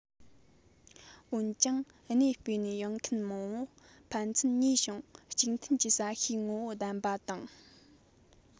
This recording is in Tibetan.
འོན ཀྱང གནས སྤོས ནས འོངས མཁན མང པོ ཕན ཚུན ཉེ ཞིང གཅིག མཐུན གྱི ས གཤིས ངོ བོ ལྡན པ དང